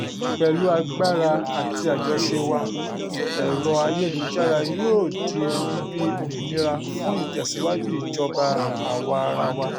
Pẹ̀lú agbára àti àjọṣe wa, ẹ̀rọ-ayélujára yóò di ibi òmìnira fún ìtẹ̀síwájú ìjọba àwa-arawa.